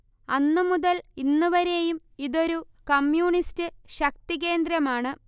അന്നു മുതൽ ഇന്നു വരെയും ഇതൊരു കമ്മ്യൂണിസ്റ്റ് ശക്തി കേന്ദ്രമാണ്